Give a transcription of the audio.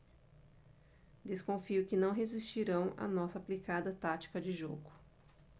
desconfio que não resistirão à nossa aplicada tática de jogo